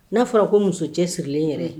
N'a fɔra ko muso cɛ sirilen yɛrɛ